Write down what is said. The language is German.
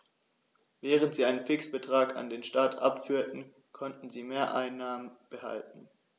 Während sie einen Fixbetrag an den Staat abführten, konnten sie Mehreinnahmen behalten.